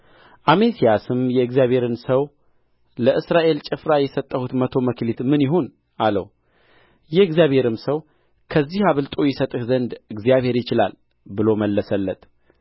አሜስያስም የእግዚአብሔርን ሰው ለእስራኤል ጭፍራ የሰጠሁት መቶ መክሊት ምን ይሁን አለው የእግዚአብሔርም ሰው ከዚህ አብልጦ ይሰጥህ ዘንድ እግዚአብሔር ይችላል ብሎ መለሰለት